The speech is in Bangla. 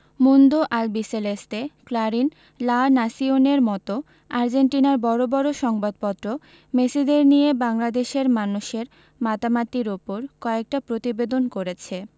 Mundo Albiceleste Clarin La Nacion র মতো আর্জেন্টিনার বড় বড় সংবাদপত্র মেসিদের নিয়ে বাংলাদেশের মানুষের মাতামাতির ওপর কয়েকটা প্রতিবেদন করেছে